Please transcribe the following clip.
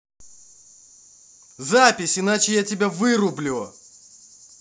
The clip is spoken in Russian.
запись иначе я тебя вырублю